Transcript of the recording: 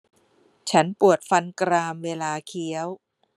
ฉันปวดฟันกรามเวลาเคี้ยว